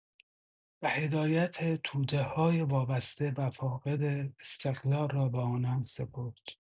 و هدایت توده‌های وابسته و فاقد استقلال را به آنان سپرد.